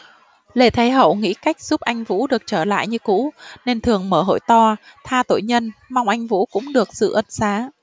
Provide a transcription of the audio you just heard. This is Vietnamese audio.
lê thái hậu nghĩ cách giúp anh vũ được trở lại như cũ nên thường mở hội to tha tội nhân mong anh vũ cũng được dự ân xá